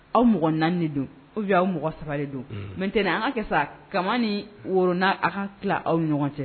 Aw mɔgɔ naani don aw mɔgɔ saba don mɛtɛnɛn an ka kɛ ka ni worouna aw ka tila aw ɲɔgɔn cɛ